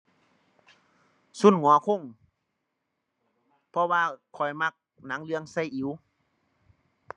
ซุนหงอคง เพราะว่าข้อยมักหนังเรื่องไซอิ๋ว